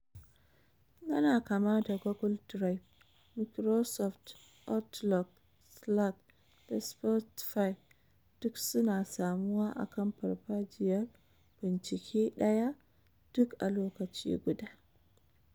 Yana kama da Google Drive, Microsoft Outlook, Slack da Spotify duk su na samuwa a kan farfajiyar bincike daya duk a lokaci guda.